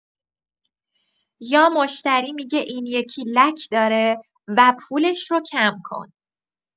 یا مشتری می‌گه این یکی لک داره و پولش رو کم کن.